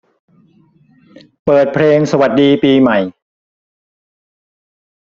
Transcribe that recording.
เปิดเพลงสวัสดีปีใหม่